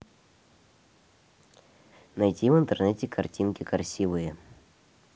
найти в интернете картинки красивые